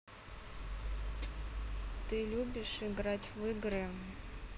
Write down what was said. ты любишь играть в игры